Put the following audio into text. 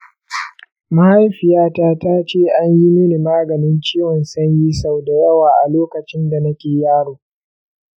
mahaifiyata ta ce an yi mini maganin ciwon sanyi sau da yawa a lokacin da nake yaro.